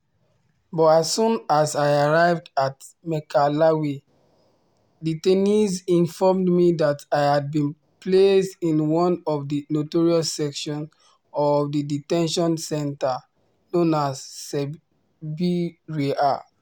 But as soon as I arrived at Maekelawi, detainees informed me that I had been placed in one of the notorious sections of the detention center, known as “Siberia”.